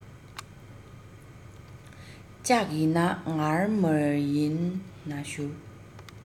ལྕགས ཡིན ན ངར མར ཡིན ན བཞུར